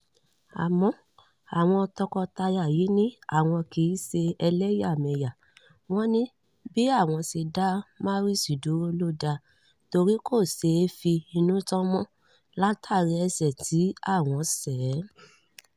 Àmọ́ àwọn tọkọtaya yìí ní àwọn kì í ṣe ẹlẹ́yàmẹyà. Wọ́n ní bí àwọn ṣe dá Maurice dúró ló da torí kò ṣé e fi inú tán án mọ́ látàrí ẹ̀sẹ̀ tí á̀wọn ṣẹ̀ ẹ́.